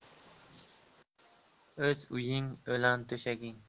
o'z uying o'lan to'shaging